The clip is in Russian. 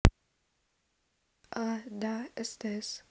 а да стс